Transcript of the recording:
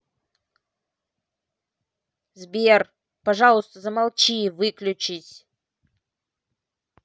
сбер пожалуйста замолчи выключись